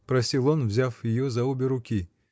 — просил он, взяв ее за обе руки.